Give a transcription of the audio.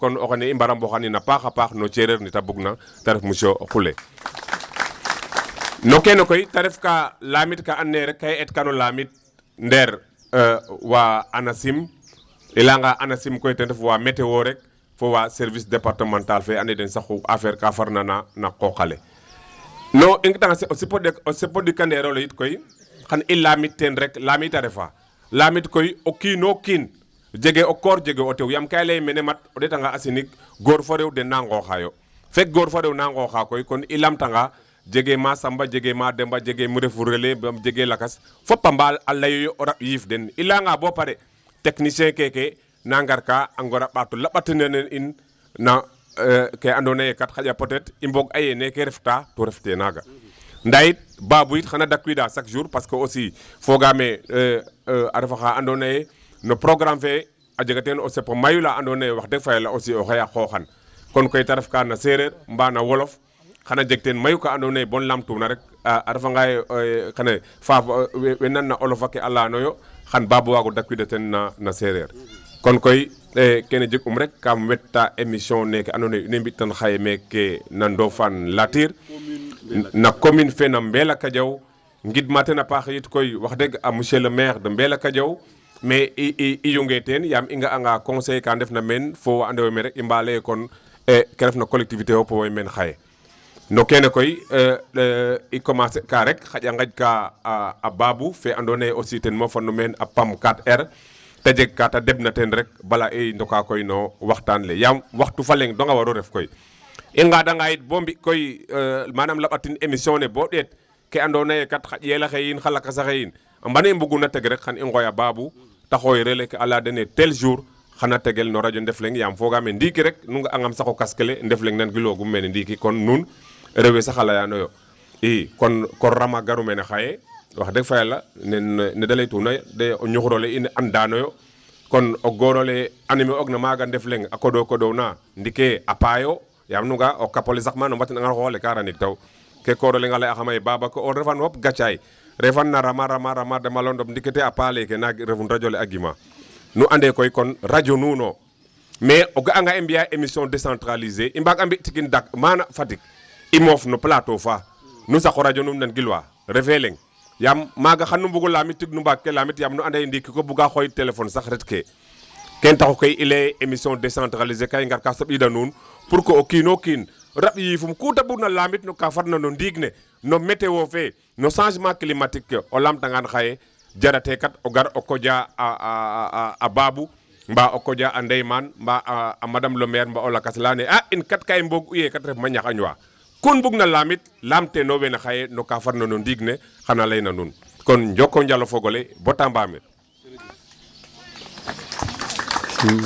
kon